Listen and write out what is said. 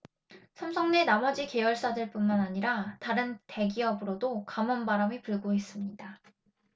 삼성 내 나머지 계열사들뿐만 아니라 다른 대기업으로도 감원바람이 불고 있습니다